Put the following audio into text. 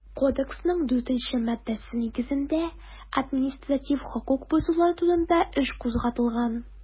Кодексның 4 нче маддәсе нигезендә административ хокук бозулар турында эш кузгатылган.